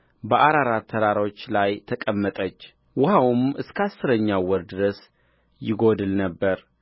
በአራራት ተራሮች ላይ ተቀመጠች ውኃውም እስከ አሥረኛው ወር ድረስ ይጎድል ነበር